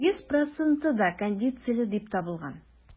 Йөз проценты да кондицияле дип табылган.